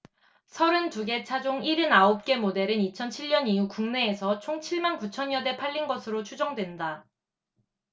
서른 두 개 차종 일흔 아홉 개 모델은 이천 칠 년 이후 국내에서 총 칠 만 구천 여대 팔린 것으로 추정된다